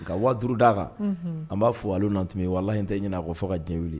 Ka 5000 d'a kan an b'a fo Alu Nantunme walahi n tɛ ɲina a ka fo ka diɲɛ wuli.